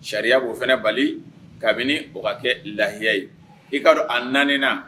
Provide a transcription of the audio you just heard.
Sariya ko o fana bali kabini o ka kɛ lahiya ye i kaa a na